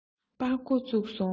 པར སྒོ ཚུགས སོང